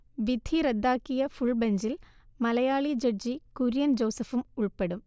വിധി റദ്ദാക്കിയ ഫുൾബെഞ്ചിൽ മലയാളി ജഡ്ജി കുര്യൻ ജോസഫും ഉൾപ്പെടും